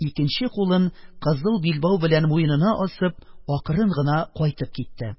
Икенче кулын кызыл билбау белән муенына асып, акрын гына кайтып китте.